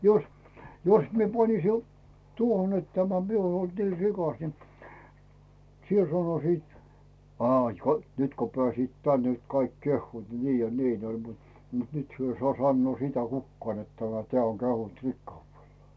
jos jos minä panisin - tuohon että tämä minä olen ollut niin rikas niin siellä sanoisivat aa kun nyt kun pääsivät tänne nyt kaikki kehuvat niin ja niin oli mutta mutta nyt he ei saa sanoa sitä kukaan että tämä tämä on kehunut rikkaudellaan